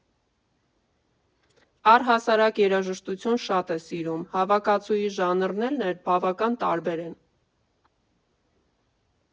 Առհասարակ երաժշտություն շատ է սիրում, հավաքածուի ժանրերն էլ բավական տարբեր են։